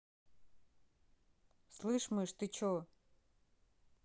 слышь мышь ты че